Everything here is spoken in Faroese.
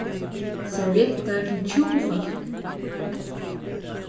serviettar til tjúgu fólk